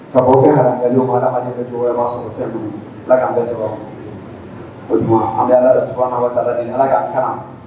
Ka fɛ an bɛ dɔgɔma sɔfɛn ala k'an bɛ sababu o an bɛ ala ka la ala k'a kan